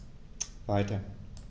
Weiter.